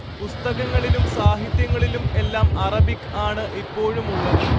പുസ്തകങ്ങളിലും സാഹിത്യങ്ങളിലും എല്ലാം അറബിക് ആണ് ഇപ്പോഴുമുള്ളത്